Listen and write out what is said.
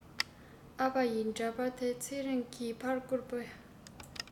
ཨ ཕ ཡི འདྲ པར དེ ཚེ རིང གི ཕར བསྐུར པ